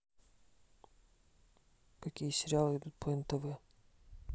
какие сериалы идут по нтв